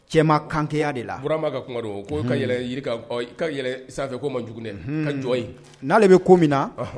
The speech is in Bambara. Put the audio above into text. Cɛman kanya de la fura ma ka kuma ko ka ko ma jugu ka jɔn in n'ale bɛ ko minna na